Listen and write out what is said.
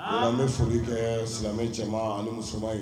An bɛ foli kɛ silamɛ cɛman ani muso ye